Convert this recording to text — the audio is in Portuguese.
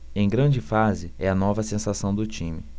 em grande fase é a nova sensação do time